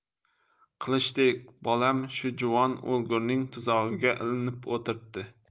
qilichday bolam shu juvon o'lgurning tuzog'iga ilinib o'tiribdi